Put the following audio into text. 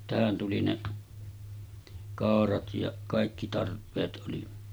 tähän tuli ne kaurat ja kaikki tarpeet oli